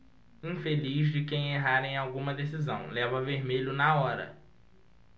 infeliz de quem errar em alguma decisão leva vermelho na hora